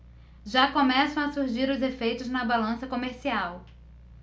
já começam a surgir os efeitos na balança comercial